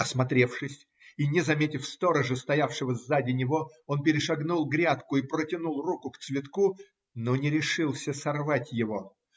Осмотревшись и не заметив сторожа, стоявшего сзади него, он перешагнул грядку и протянул руку к цветку, но не решился сорвать его.